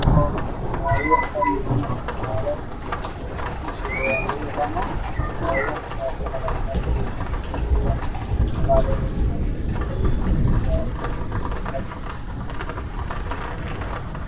Meeshaan oo meel farmashi ah waxaa yaalo daawooyin farabadan sharoobooyin badan oo kale kala duwan ah waxaa ka mid ah sharoobo gaduud ah